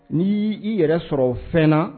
N'i y'i yɛrɛ sɔrɔ o fɛn na